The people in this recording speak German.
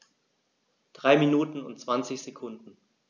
3 Minuten und 20 Sekunden